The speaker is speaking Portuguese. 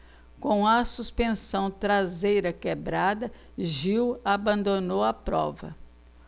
com a suspensão traseira quebrada gil abandonou a prova